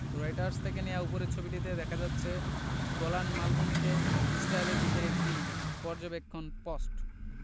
Reuters থেকে নেয়া উপরের ছবিটিতে দেখা যাচ্ছে গোলান মালভূমিতে ইসরায়েলের দিকের একটি পর্যবেক্ষণ পোস্ট